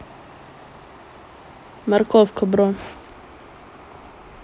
морковка бро